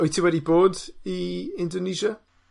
Wyt ti wedi bod i Indonesia?